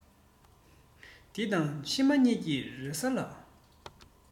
འདི དང ཕྱི མ གཉིས ཀྱི རེ ས ལ